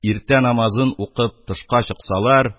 Иртә намазын укып, тышка чыксалар,